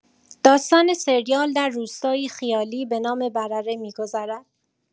داستان سریال در روستایی خیالی به نام برره می‌گذرد؛